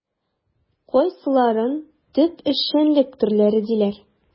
Кайсыларын төп эшчәнлек төрләре диләр?